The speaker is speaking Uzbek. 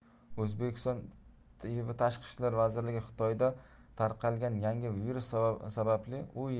o'zbekiston tiv xitoyda tarqalgan yangi virus sababli